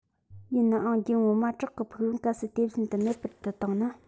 ཡིན ནའང རྒྱུད ངོ མ བྲག གི ཕུན རོན གལ སྲིད དེ བཞིན དུ མེད པར དུ བཏང ན